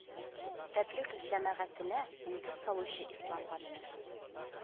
Тәблигъ җәмәгатенә нигез салучы ислам галиме